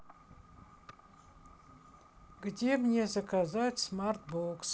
где мне заказать смарт бокс